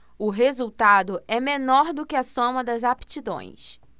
o resultado é menor do que a soma das aptidões